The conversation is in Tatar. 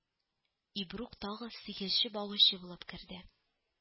Ибрук тагы сихерче-багучы булып керде